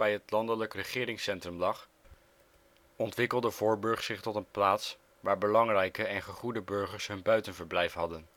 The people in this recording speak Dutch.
het landelijk regeringscentrum lag, ontwikkelde Voorburg zich tot een plaats waar belangrijke en gegoede burgers hun buitenverblijf hadden